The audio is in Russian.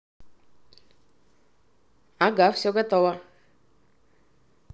ага все готово